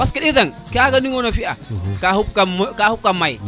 parce que ɗetan kaga narona fi a ka xup kam ka xup ko maya